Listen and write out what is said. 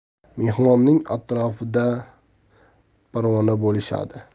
mehmonning atrofida parvona bo'lishadi